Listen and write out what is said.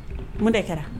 Kuma de kɛra